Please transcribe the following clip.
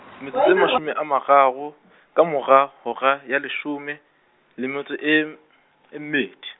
metsotso e mashome a mararo, ka mora, hora, ya leshome, le metso e, e mmedi.